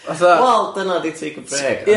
Fatha... Wel dyna ydi Take a Break. ...ia.